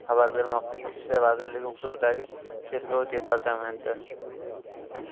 xabar bermoqda ichki ishlar vazirligi huzuridagi tergov departamenti